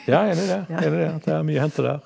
ja jeg er enig i det, enig i det at det er mye å hente der.